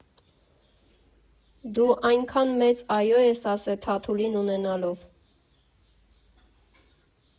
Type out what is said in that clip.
«Դու այնքա՜ն մեծ «այո» ես ասել Թաթուլին ունենալով»։